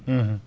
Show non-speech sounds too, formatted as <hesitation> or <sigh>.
<hesitation> <hesitation>